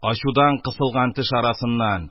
Ачудан кысылган теш арасыннан: